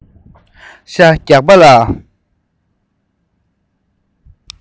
ཤ རྒྱགས པ ལ